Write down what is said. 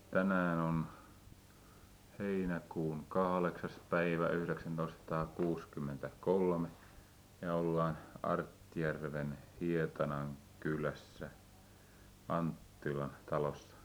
tänään on heinäkuun kahdeksas päivä yhdeksäntoistasataakuusikymmentäkolme ja ollaan Artjärven Hietanan kylässä Anttilan talossa